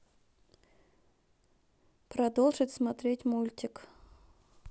продолжить смотреть мультик